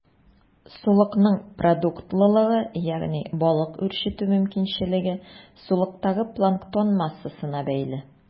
Сулыкның продуктлылыгы, ягъни балык үрчетү мөмкинчелеге, сулыктагы планктон массасына бәйле.